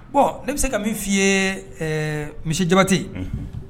Ne bɛ se ka min f fɔi ye misi jabate